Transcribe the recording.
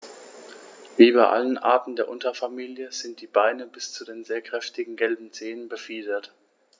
Wie bei allen Arten der Unterfamilie sind die Beine bis zu den sehr kräftigen gelben Zehen befiedert.